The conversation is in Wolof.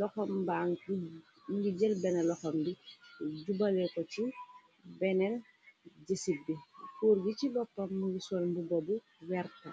loxabamingi jël benne loxam bi jubale ko ci benel jësib bi guur gi ci loppam mungi sor bu bobu werta.